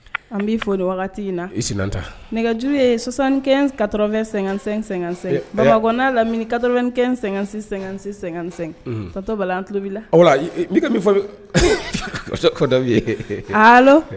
An b'i fɔ wagati in na nɛgɛjuru ye sɔsan katofɛn- sɛgɛn-sɛ- sɛgɛn-sɛ baba n'a laminikatokɛ n sɛgɛn-sɛ- sɛgɛn-sɛ satɔba anbi la bi min fɔ dɔ